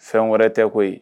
Fɛn wɛrɛ tɛ koyi